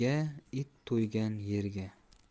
it to'ygan yeriga